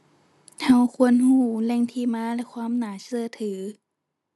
เราควรเราแหล่งที่มาและความน่าเชื่อถือ